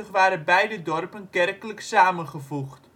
waren beide dorpen kerkelijk samengevoegd